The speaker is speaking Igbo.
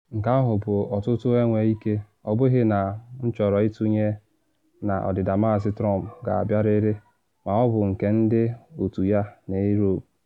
Nke ahụ bụ ọtụtụ enwee ike, ọ bụghị na m chọrọ ịtụnye na ọdịda Maazị Trump ga-abịarịrị - ma ọ bụ nke ndị otu ya na Europe.